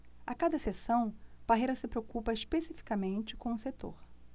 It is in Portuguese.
a cada sessão parreira se preocupa especificamente com um setor